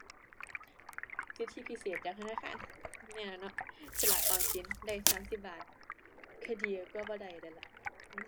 สิทธิพิเศษจากธนาคารแม่นล่ะเนาะ สลากออมสินได้สามสิบบาท ก็ดีกว่าบ่ได้นั่นล่ะ